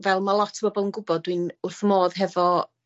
fel ma' lot o bobol yn gwbod dwi'n wrth fy modd hefo